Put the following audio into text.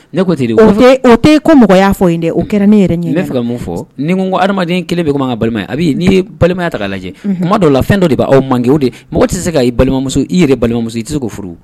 Ne ko tɛ o te ko mɔgɔ y'a fɔ dɛ o kɛra ne yɛrɛ ɲɛ ne fɛ faga mun fɔ ni n ko ha adamaden kelen bɛ man kan ka balimaya a bi n'i ye balimaya ta lajɛ kuma dɔw la fɛn dɔ de b' aw man kɛ o de mɔgɔ tɛ se ka i balimamuso i yɛrɛ balimamuso i tɛ se' furu